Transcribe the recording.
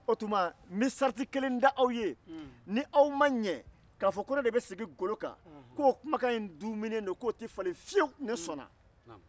o tuma n bɛ sarati kelen d'aw ye ni aw ma ɲɛ k'a fɔ k'o kumakan in dunbelendon k'o tɛ falen fiyewu ne sɔnna